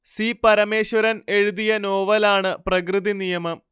C Parameswaran എഴുതിയ നോവലാണ് പ്രകൃതിനിയമം